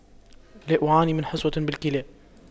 لا أعاني من حصوة بالكلى